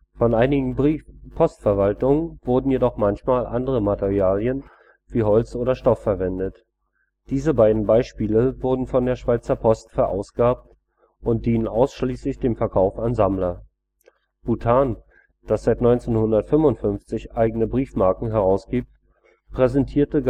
Von einigen Postverwaltungen werden jedoch manchmal andere Materialien wie Holz oder Stoff verwendet. Diese beiden Beispiele wurden von der Schweizer Post verausgabt und dienen ausschließlich dem Verkauf an Sammler. Bhutan, das seit 1955 eigene Briefmarken herausgibt, präsentierte